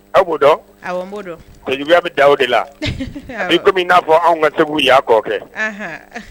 Aw b'dɔn joliya bɛ da o de la bi dɔ n'a fɔ anw ka se y'a kɔ kɛ